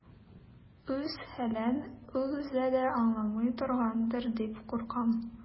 Үз хәлен ул үзе дә аңламый торгандыр дип куркам.